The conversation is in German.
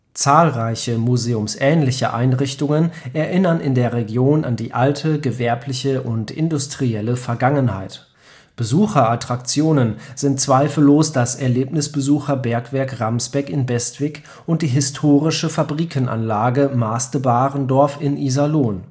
Zahlreiche museumsähnliche Einrichtungen erinnern in der Region an die alte gewerbliche und industrielle Vergangenheit. Besucherattraktionen sind zweifellos das Erlebnisbesucherbergwerk Ramsbeck in Bestwig und die Historische Fabrikenanlage Maste-Barendorf in Iserlohn